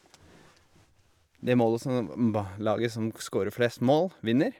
Det målet somem mbah laget som skårer flest mål, vinner.